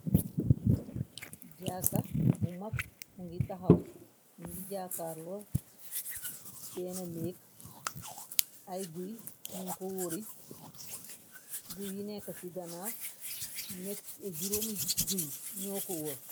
Jaaka bu mag, mu ngi taxaw mu ngi jaakaar lor benna néek, ay guy ñu ko wóri, guy yi nekk ci ganaaw, juróomi guy ñoo ko wór.